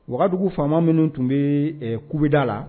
Wagadu faama minnu tun bɛ kubida la